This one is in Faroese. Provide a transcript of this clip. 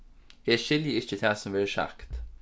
eg skilji ikki tað sum verður sagt